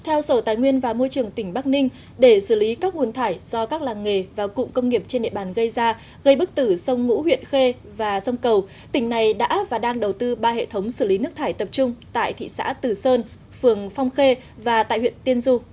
theo sở tài nguyên và môi trường tỉnh bắc ninh để xử lý các nguồn thải do các làng nghề và cụm công nghiệp trên địa bàn gây ra gây bức tử sông ngũ huyện khê và sông cầu tỉnh này đã và đang đầu tư ba hệ thống xử lý nước thải tập trung tại thị xã từ sơn phường phong khê và tại huyện tiên dung